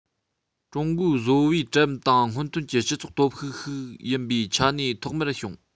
ཀྲུང གོའི བཟོ པའི གྲལ རིམ དེ སྔོན ཐོན གྱི སྤྱི ཚོགས སྟོབས ཤུགས ཤིག ཡིན པའི ཆ ནས ཐོག མར བྱུང